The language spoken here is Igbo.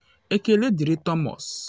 Ekele dịịrị Thomas.